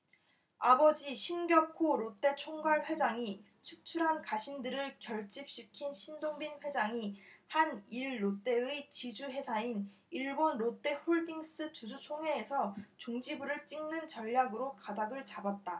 아버지 신격호 롯데 총괄회장이 축출한 가신들을 결집시킨 신동빈 회장이 한 일 롯데의 지주회사인 일본 롯데홀딩스 주주총회에서 종지부를 찍는 전략으로 가닥을 잡았다